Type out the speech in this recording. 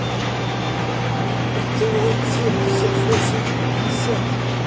радеон семьдесят восемь пятьдесят